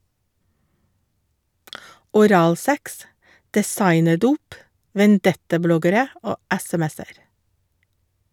Oralsex, designerdop, vendettabloggere og sms-er.